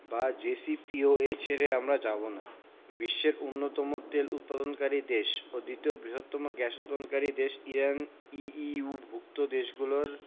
বা জেসিপিওএ ছেড়ে আমরা যাব না বিশ্বের অন্যতম তেল উৎপাদনকারী দেশ ও দ্বিতীয় বৃহত্তম গ্যাস উৎপাদনকারী দেশ ইরান ইইউভুক্ত দেশগুলোর